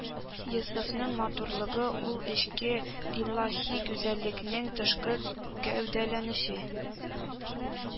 Йосыфның матурлыгы ул эчке, илаһи гүзәллекнең тышкы гәүдәләнеше